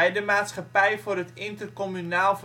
de Maatschappij voor het Intercommunaal